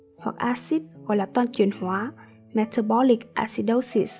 hoặc acid gọi là toan chuyển hóa